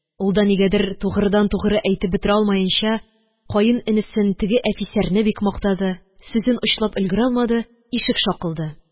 Ул да нигәдер тугрыдан-тугры әйтеп бетерә алмаенча, каененесен, теге әфисәрне бик мактады. Сүзен очлап өлгерә алмады, ишек шакылды.